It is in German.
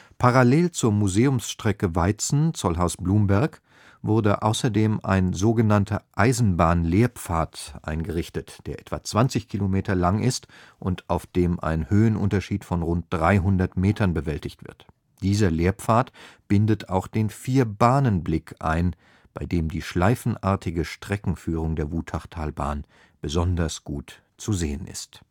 Parallel zur Museumsstrecke Weizen – Zollhaus-Blumberg wurde außerdem ein so genannter Eisenbahn-Lehrpfad eingerichtet, der etwa zwanzig Kilometer lang ist und auf dem ein Höhenunterschied von rund dreihundert Metern bewältigt wird. Dieser Lehrpfad bindet auch den Vierbahnenblick ein, bei dem die schleifenartige Streckenführung der Wutachtalbahn besonders gut zu sehen ist